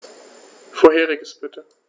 Vorheriges bitte.